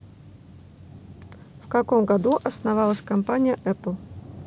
в каком году основалась компания эпл